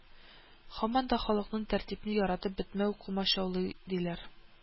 Һаман да халыкның тәртипне яратып бетмәү комачаулый диләр